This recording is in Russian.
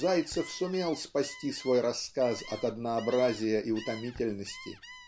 Зайцев сумел спасти свой рассказ от однообразия и утомительности.